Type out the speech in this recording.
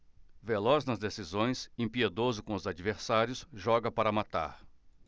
veloz nas decisões impiedoso com os adversários joga para matar